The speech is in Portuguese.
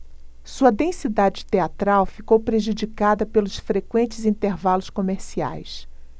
sua densidade teatral ficou prejudicada pelos frequentes intervalos comerciais